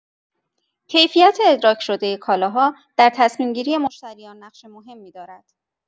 کیفیت ادراک‌شده کالاها در تصمیم‌گیری مشتریان نقش مهمی دارد.